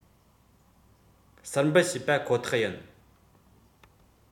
ཟུར འབུད བྱས པ ཁོ ཐག ཡིན